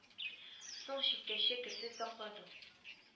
Соң чиккәчә керсез сакладым.